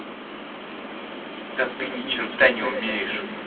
да ты ни черта не умеешь